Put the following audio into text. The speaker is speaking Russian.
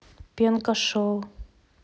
пенка шоу